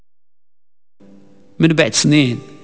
من بعد سنين